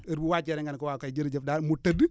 heure bu wàccee rek nga ne ko waa kay jërëjëf daal mu tëdd